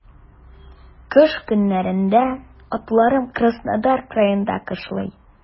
Кыш көннәрендә атларым Краснодар краенда кышлый.